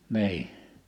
niin